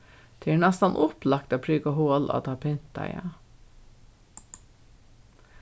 tað er næstan upplagt at prika hol á tað pyntaða